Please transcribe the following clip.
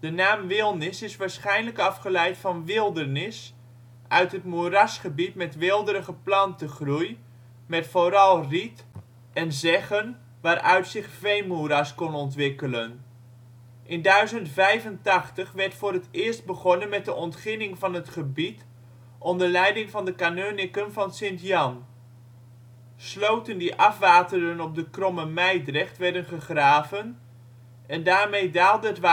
naam Wilnis is waarschijnlijk afgeleid van wildernis, uit het moerasgebied met weelderige plantengroei met vooral riet en zeggen waaruit zich veenmoeras kon ontwikkelen. In 1085 werd voor het eerst begonnen met de ontginning van het gebied onder leiding van de kanunniken van Sint-Jan. Sloten die afwaterden op de Kromme Mijdrecht werden gegraven, en daarmee daalde het waterpeil